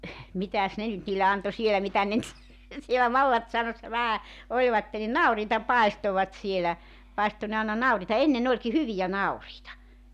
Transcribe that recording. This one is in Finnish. mitäs ne nyt niille antoi siellä mitä ne nyt siellä mallassaunassa vähän olivat niin nauriita paistoivat siellä paistoi ne aina nauriita ennen olikin hyviä nauriita